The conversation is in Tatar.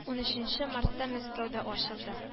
Унөченче мартта мәскәүдә ачылды